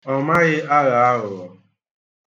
Ọ maghị aghọ aghụghọ.